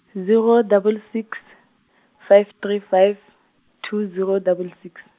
zero double six, five three five, two zero double six.